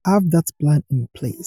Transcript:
Have that plan in place."